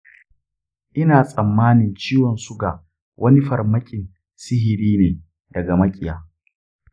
ina tsammanin ciwon suga wani farmakin sihiri ne daga maƙiya.